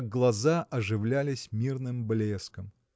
как глаза оживлялись мирным блеском.